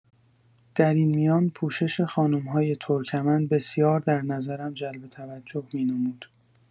در این میان پوشش خانم‌های ترکمن بسیار در نظرم جلب توجه می‌نمود.